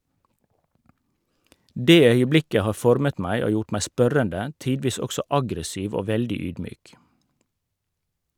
Det øyeblikket har formet meg og gjort meg spørrende, tidvis også aggressiv og veldig ydmyk.